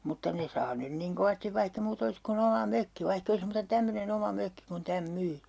mutta ne saa nyt niin kovasti vaikka ei muuta olisi kuin oma mökki vaikka ei olisi muuta tämmöinen oma mökki kun tämän myy